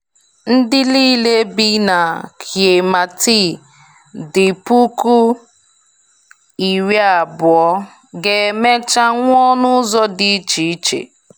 Ndị niile bi na Yau Ma Tei dị 20,000 ga-emecha nwụọ n'ụzọ dị iche iche.